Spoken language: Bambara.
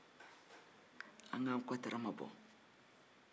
an k'an kɔttaramabɔ